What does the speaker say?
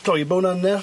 Droi bown anner.